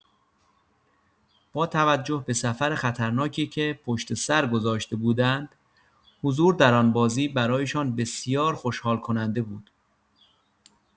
با توجه به سفر خطرناکی که پشت‌سر گذاشته بودند، حضور در آن بازی برایشان بسیار خوشحال‌کننده بود.